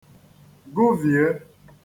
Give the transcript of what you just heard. gụvìe